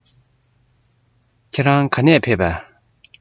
ཁྱེད རང ག ནས ཕེབས པས